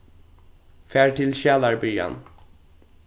far til skjalarbyrjan